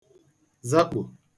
zakpò